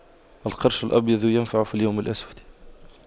القرش الأبيض ينفع في اليوم الأسود